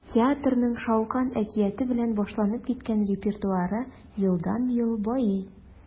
Театрның “Шалкан” әкияте белән башланып киткән репертуары елдан-ел байый.